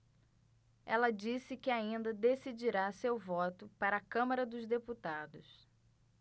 ela disse que ainda decidirá seu voto para a câmara dos deputados